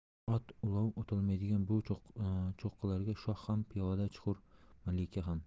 ot ulov o'tolmaydigan bu cho'qqilarga shoh ham piyoda chiqur malika ham